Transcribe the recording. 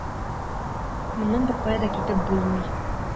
Моннан беркая да китеп булмый.